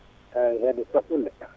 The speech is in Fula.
eyyi hedde Saɓunde